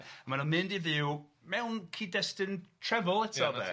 A maen nhw'n mynd i fyw mewn cyd-destun trefol eto.. Na ti.